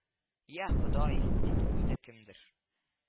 Я, ходай…— дип куйды кемдер. —